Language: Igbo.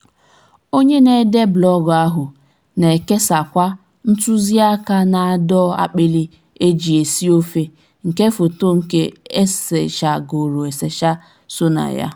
Onye na-ede blọọgụ ahụ na-ekesakwa ntuziaka na-adọ akpirị eji esi ofe nke foto nke esichagoro esicha so na ya.